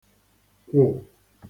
kwụ